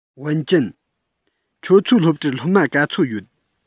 ཝུན ཅུན ཁྱོད ཚོའི སློབ གྲྭར སློབ མ ག ཚོད ཡོད